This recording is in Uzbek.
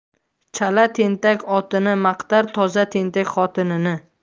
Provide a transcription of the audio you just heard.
chala tentak otini maqtar toza tentak xotinini